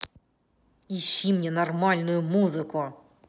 ищи мне нормальную музыку